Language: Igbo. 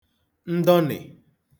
ndọnị̀